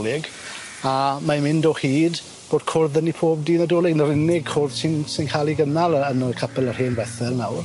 a mae'n mynd o hyd bod cwrdd 'dy ni pob dydd Nadolig 'na'r unig cwrdd sy'n sy'n ca'l ei gynnal yn y capel yr hen Fethel nawr.